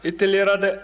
i tɛliyara dɛ